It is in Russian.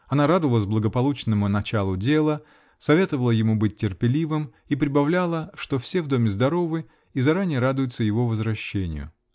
Она радовалась благополучному "началу дела", советовала ему быть терпеливым и прибавляла, что все в доме здоровы и заранее радуются его возвращению.